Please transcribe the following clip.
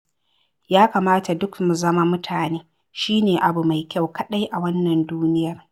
Ya kamata duk mu zama mutane, shi ne abu mai kyau kaɗai a wannan duniyar.